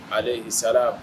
Alehi salaam